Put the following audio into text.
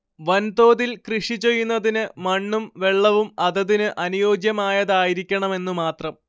വൻതോതിൽ കൃഷിചെയ്യുന്നതിന് മണ്ണും വെള്ളവും അതതിന് അനുയോജ്യമായതായിരിക്കണമെന്നു മാത്രം